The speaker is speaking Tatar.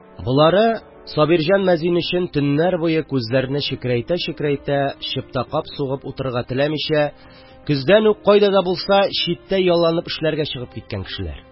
Болары – Сабирҗан мәзин өчен төннәр буе күзләрне чекрәйтә-чекрәйтә чыпта-кап сугып утырырга теләмичә, көздән үк кайда да булса читтә ялланып эшләргә чыгып киткән кешеләр